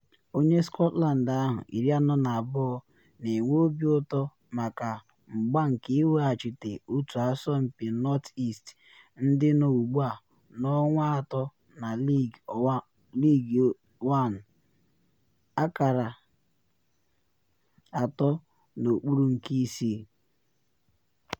Onye Scotland ahụ, 42, na enwe obi ụtọ maka mgba nke iweghachite otu asọmpi North-East, ndị nọ ugbu a n’ọkwa atọ na League One, akara atọ n’okpuru nke isi.